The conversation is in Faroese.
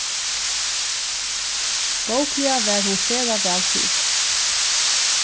bókliga var hon sera væl fyri